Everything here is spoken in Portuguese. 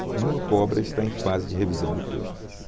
nuno cobra está em fase de revisão do texto